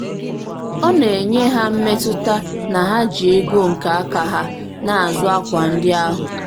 Ọ na-enye ha mmetụta na ha ji ego nke aka ha na-azụ akwa ndị ahụ.